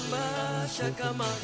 Nba sa ma